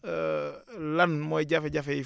lan mooy jafe-jafe yi